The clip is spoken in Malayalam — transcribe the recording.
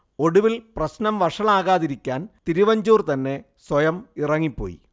ഒടുവിൽ പ്രശ്നം വഷളാകാതിക്കാൻ തിരുവഞ്ചൂർ തന്നെ സ്വയം ഇറങ്ങി പോയി